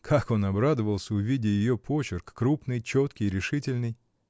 Как он обрадовался, увидя ее почерк, крупный, четкий, решительный!